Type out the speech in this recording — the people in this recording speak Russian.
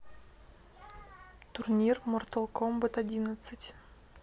турнир mortal kombat одиннадцать